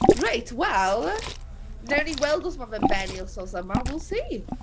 Reit wel wnawn ni weld os mae fe'n bennu wythnos yma. We'll see.